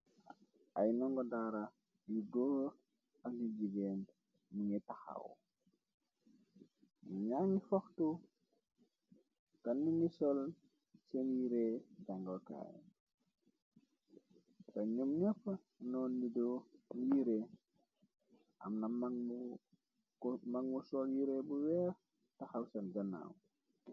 ay nango daara yu góor ak yu jigéen mingi taxaw ñjangi foxtu tannngi sol seen yiree jangokaay te ñum ñepp noon nido yiree amna mangu sol yire bu weex taxaw seen ganaaw.